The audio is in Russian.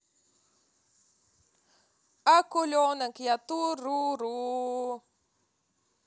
акуленок я туруру